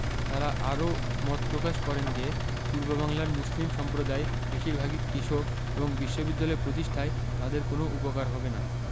তাঁরা আরও মত প্রকাশ করেন যে পূর্ববাংলার মুসলিম সম্প্রদায় বেশির ভাগই কৃষক এবং বিশ্ববিদ্যালয় প্রতিষ্ঠায় তাদের কোনো উপকার হবে না